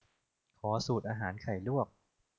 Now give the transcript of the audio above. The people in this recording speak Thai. ขอสูตรอาหารไข่ลวก